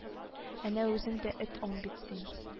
Әнә үзең дә эт ан бит син